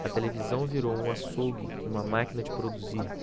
a televisão virou um açougue uma máquina de produzir